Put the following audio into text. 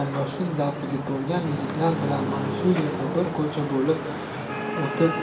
yoshlik zavqiga to lg an yigitlar bilan m ana shu yerdan bir ko'cha bo'lib o'tib